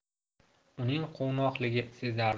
uning quvnoqligi sezardim